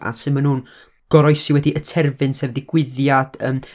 A sut ma' nhw'n goroesi wedi y terfyn, sef ddigwyddiad, yym,